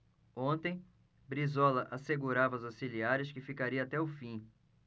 ontem brizola assegurava aos auxiliares que ficaria até o fim